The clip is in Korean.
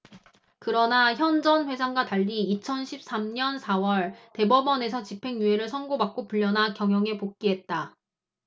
그러나 현 전 회장과 달리 이천 십 삼 년 사 월 대법원에서 집행유예를 선고 받고 풀려나 경영에 복귀했다